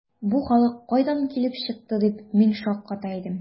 “бу халык кайдан килеп чыкты”, дип мин шакката идем.